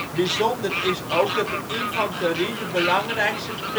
Bijzonder is ook dat de infanterie de belangrijkste